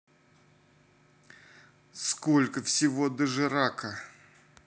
сколько всего дожирака